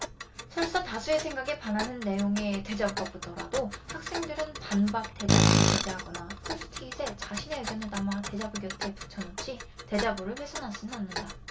설사 다수의 생각에 반하는 내용의 대자보가 붙더라도 학생들은 반박 대자보를 게재하거나 포스트잇에 자신의 의견을 담아 대자보 곁에 붙여놓지 대자보를 훼손하지는 않는다